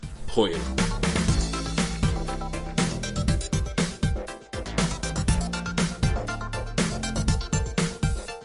...hwyl.